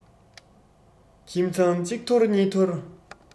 ཁྱིམ ཚང གཅིག འཐོར གཉིས འཐོར